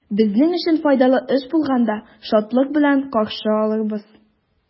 Безнең өчен файдалы эш булганда, шатлык белән каршы алырбыз.